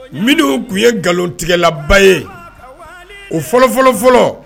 Minnu kun ye nkalontigɛlaba ye,o fɔlɔ fɔlɔ fɔlɔ